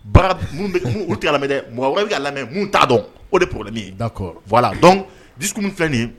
Bakarab mun be mun mun tɛ a lamɛ dɛ mɔgɔ wɛrɛ bi k'a lamɛ mun t'a dɔn o de ye problème ye d'accord voilà donc discours min filɛ nin ye